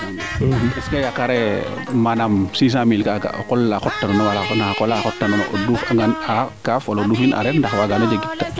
est ce que yaakara ye 600 mille kaaga o qola xota noona wala na xa qol la xot ta noona o duuf a ngaan kaaf wala o duufin a areer ndax wagano jeg